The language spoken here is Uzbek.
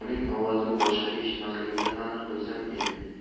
uning ovozini boshqa eshitmasligimni aniq bilsam edi